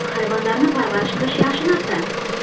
hayvonlarni parvarish qilish yaxshi narsa